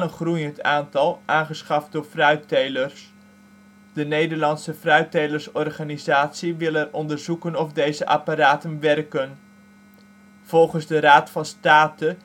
groeiend aantal, aangeschaft door fruittelers. De Nederlandse Fruittelers Organisatie wil er onderzoeken of deze apparaten werken. Volgens de Raad van State